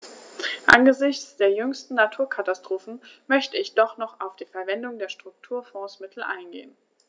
Angesichts der jüngsten Naturkatastrophen möchte ich doch noch auf die Verwendung der Strukturfondsmittel eingehen.